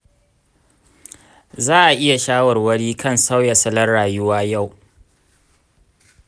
za a yi shawarwari kan sauya salon rayuwa yau.